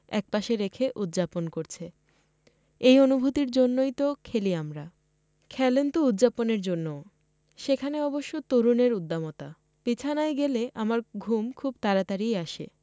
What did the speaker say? একপাশে রেখে উদ্যাপন করছে এই অনুভূতির জন্যই তো খেলি আমরা খেলেন তো উদ্যাপনের জন্যও সেখানে অবশ্য তরুণের উদ্দামতা বিছানায় গেলে আমার ঘুম খুব তাড়াতাড়িই আসে